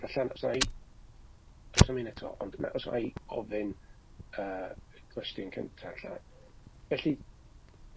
Falle os wna i... Does na'm un eto, ond na os wna i ofyn yy cwestiwn cynta ella, felly